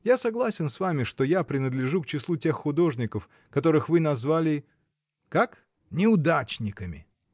Я согласен с вами, что я принадлежу к числу тех художников, которых вы назвали. как? — Неудачниками.